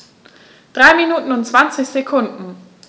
3 Minuten und 20 Sekunden